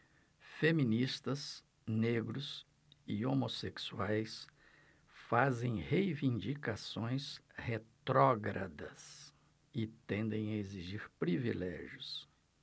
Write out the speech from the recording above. feministas negros e homossexuais fazem reivindicações retrógradas e tendem a exigir privilégios